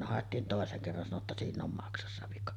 no haettiin toisen kerran sanoi jotta siinä on maksassa vika